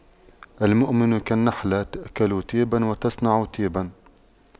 المؤمن كالنحلة تأكل طيبا وتضع طيبا